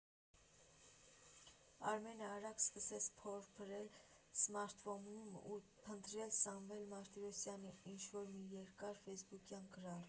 Արմենը արագ սկսեց փորփրել սմարթֆոնում ու փնտրել Սամվել Մարտիրոսյանի ինչ֊որ մի երկար ֆեյսբուքյան գրառում։